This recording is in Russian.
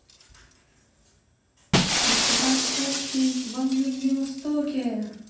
фестиваль косплей во владивостоке